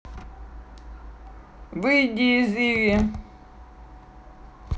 выйди из иви